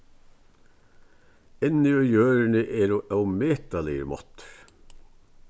inni í jørðini eru ómetaligir máttir